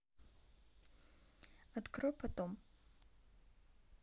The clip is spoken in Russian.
открой потом